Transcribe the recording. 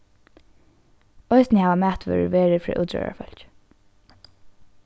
eisini hava matvørur verið frá útróðrarfólki